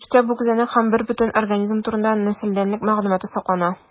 Төштә бу күзәнәк һәм бербөтен организм турында нәселдәнлек мәгълүматы саклана.